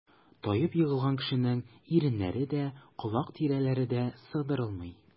Таеп егылган кешенең иреннәре дә, колак тирәләре дә сыдырылмый.